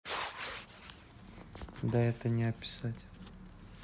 да это не описать